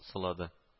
Сылады